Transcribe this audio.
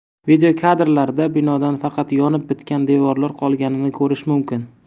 videokadrlarda binodan faqat yonib bitgan devorlar qolganini ko'rish mumkin